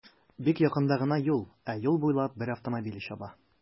Бик якында гына юл, ә юл буйлап бер автомобиль чаба.